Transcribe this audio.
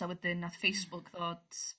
a wedyn nath Facebook ddod s-